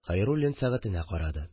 Хәйруллин сәгатенә карады